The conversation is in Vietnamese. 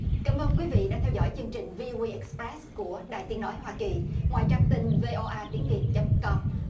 cảm ơn quý vị đã theo dõi chương trình vi ô ây ẹt rét của đài tiếng nói hoa kỳ ngoài trang tin vê o a tiếng việt chấm com